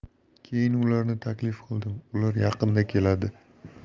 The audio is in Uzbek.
keyin ularni taklif qildim ular yaqinda keladi